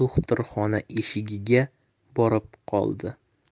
do'xtirxona eshigiga borib qoldi